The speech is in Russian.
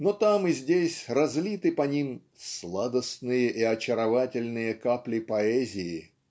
но там и здесь разлиты по ним "сладостные и очаровательные капли поэзии"